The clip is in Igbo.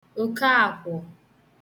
Òkọàkwhọ̀